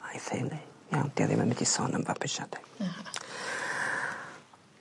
A'i theulu. Iawn? 'Di o ddim yn mynd i sôn am fabwysiadu. Na.